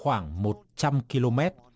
khoảng một trăm ki lô mét